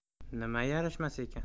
nima yarashmas ekan